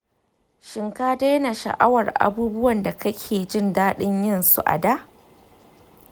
shin ka daina sha'awar abubuwan da kake jin daɗin yin su a da?